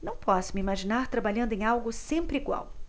não posso me imaginar trabalhando em algo sempre igual